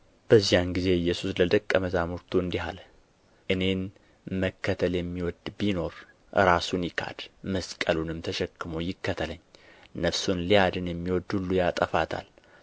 በዚያን ጊዜ ኢየሱስ ለደቀ መዛሙርቱ እንዲህ አለ እኔን መከተል የሚወድ ቢኖር ራሱን ይካድ መስቀሉንም ተሸክሞ ይከተለኝ ነፍሱን ሊያድን የሚወድ ሁሉ ያጠፋታል